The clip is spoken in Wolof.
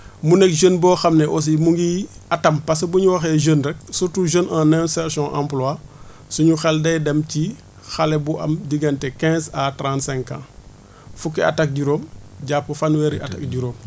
mu nekk jeune boo xam ne aussi mu ngi atam parce bu ñu waxee jeune rek urtout jeune en insertion emploie su ñu xel day dem ci xale bu am diggante quinze à trente cinq ans fukki at ak juróom jàpp fanweeri at ak juróom